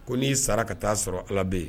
Ko n''i sara ka taa sɔrɔ ala bɛ yen